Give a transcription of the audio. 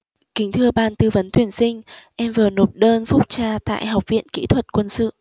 kính thưa ban tư vấn tuyển sinh em vừa nộp đơn phúc tra tại học viện kỹ thuật quân sự